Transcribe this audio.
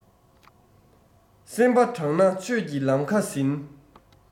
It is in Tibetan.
སེམས པ དྲང ན ཆོས ཀྱི ལམ ཁ ཟིན